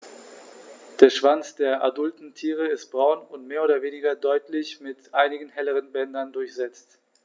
Der Schwanz der adulten Tiere ist braun und mehr oder weniger deutlich mit einigen helleren Bändern durchsetzt.